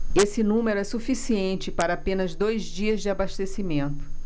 esse número é suficiente para apenas dois dias de abastecimento